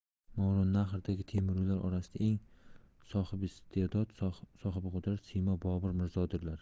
movarounnahrdagi temuriylar orasida eng sohibistedod sohibqudrat siymo bobur mirzodirlar